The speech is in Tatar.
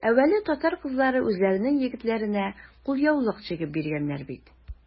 Әүвәле татар кызлары үзләренең егетләренә кулъяулык чигеп биргәннәр бит.